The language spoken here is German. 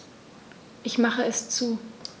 Ich mache es zu.